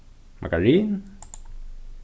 margarin